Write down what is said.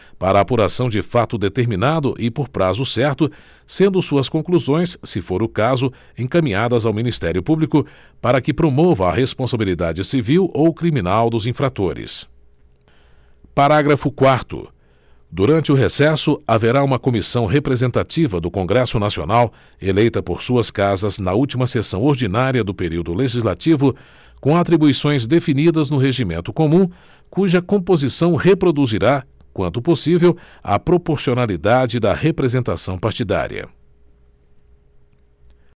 para a apuração de fato determinado e por prazo certo sendo suas conclusões se for o caso encaminhadas ao ministério público para que promova a responsabilidade civil ou criminal dos infratores parágrafo quarto durante o recesso haverá uma comissão representativa do congresso nacional eleita por suas casas na última sessão ordinária do período legislativo com atribuições definidas no regimento comum cuja composição reproduzirá quanto possível a proporcionalidade da representação partidária